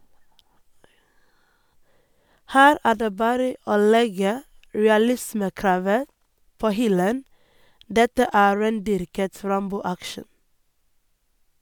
Her er det bare å legge realismekravet på hyllen, dette er rendyrket Rambo-action.